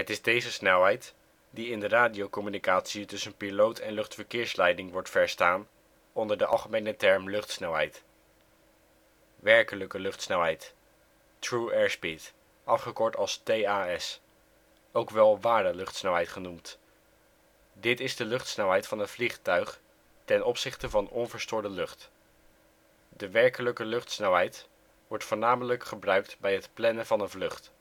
is deze snelheid die in de radiocommunicatie tussen piloot en luchtverkeersleiding wordt verstaan onder de algemene term ' luchtsnelheid '. Werkelijke luchtsnelheid (true airspeed – TAS) (ook wel ware luchtsnelheid genoemd). Dit is de luchtsnelheid van een vliegtuig ten opzichte van onverstoorde lucht. De werkelijke luchtsnelheid wordt voornamelijk gebruikt bij het plannen van een vlucht